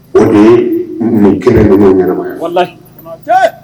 O nin kelen ɲuman ɲɛnama